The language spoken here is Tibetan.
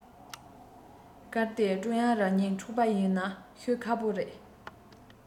གལ ཏེ ཀྲུང དབྱང རང གཉིད འཁྲུག པ ཡིན ན ཤོད ཁག པོ རེད